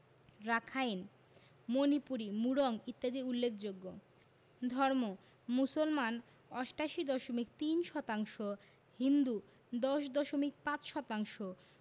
Rakhine Manipuri Murong ইত্যাদি উল্লেখযোগ্য ধর্ম মুসলমান ৮৮দশমিক ৩ শতাংশ হিন্দু ১০দশমিক ৫ শতাংশ